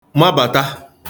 mabàta